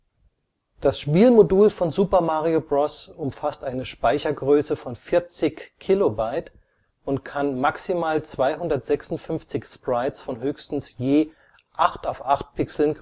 Das Spielmodul von Super Mario Bros. umfasst eine Speichergröße von 40 Kilobyte und kann maximal 256 Sprites von höchstens je 8 × 8 Pixeln